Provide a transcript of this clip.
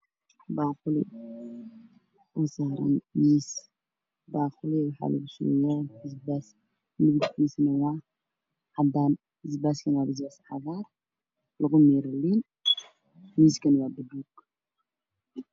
Waxaa ii muuqda hooyo ku jira basbaas cagaar nolosha wayn caddaan miis buluug iyo saaran yahay